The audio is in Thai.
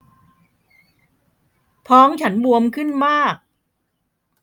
ท้องฉันบวมขึ้นมาก